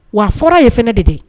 Wa fɔra ye fɛnɛ de dɛ.